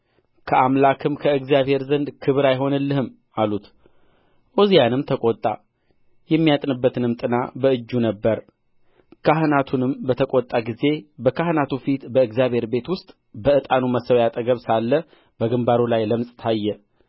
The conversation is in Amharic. ከአምላክህም ከእግዚአብሔር ዘንድ ክብር አይሆንልህም አሉት ዖዝያንም ተቈጣ የሚያጥንበትም ጥና በእጁ ነበረ ካህናቱንም በተቈጣ ጊዜ በካህናቱ ፊት በእግዚአብሔር ቤት ውስጥ በዕጣኑ መሠዊያ አጠገብ ሳለ በግምባሩ ላይ ለምጽ ታየ